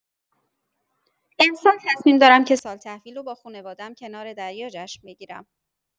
امسال تصمیم دارم که سال‌تحویل رو با خونواده‌م کنار دریا جشن بگیرم.